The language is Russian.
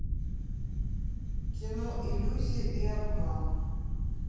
кино иллюзия и обман